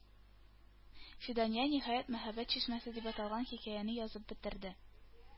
Фидания, ниһаять, "Мәхәббәт чишмәсе" дип аталган хикәяне язып бетерде.